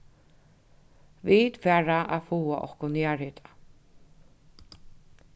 vit fara at fáa okkum jarðhita